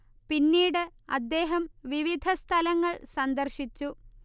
പിന്നീട് അദ്ദേഹം വിവിധ സ്ഥലങ്ങൾ സന്ദർശിച്ചു